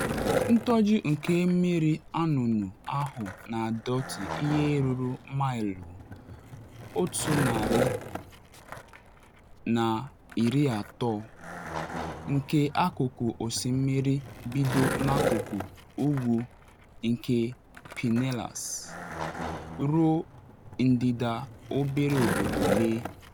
Ntoju nke Mmiri Anụnụ ahụ na adọtị ihe ruru maịlụ 130 nke akụkụ osimiri bido n’akụkụ ugwu nke Pinellas ruo ndịda obere obodo Lee.